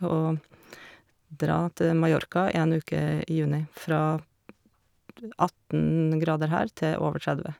Å dra til Mallorca én uke i juni, fra atten grader her til over tredve.